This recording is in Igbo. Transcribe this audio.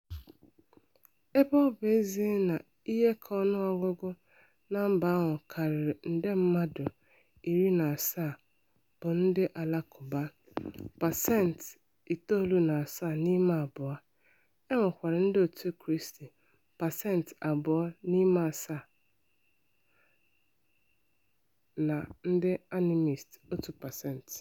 Ebe ọ bụ ezie na ihe ka n'ọnụọgụgụ ná mba ahụ karịrị nde mmadụ 17 bụ ndị Alakụba (pasenti 97.2), e nwekwara Ndịòtù Kristi (pasenti 2.7) na ndị animists (1 pasenti).